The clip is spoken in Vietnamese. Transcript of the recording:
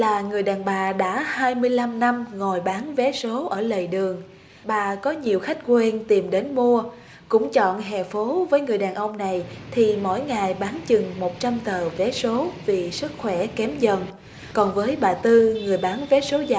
là người đàn bà đã hai mươi lăm năm ngồi bán vé số ở lề đường bà có nhiều khách quen tìm đến mua cũng chọn hè phố với người đàn ông này thì mỗi ngày bán chừng một trăm tờ vé số vì sức khỏe kém dần còn với bà tư người bán vé số dạo